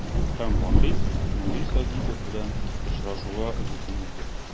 Һәм Вахит Нури Сагитов белән очрашуга өметен өзде.